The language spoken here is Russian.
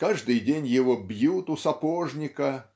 Каждый день его бьют у сапожника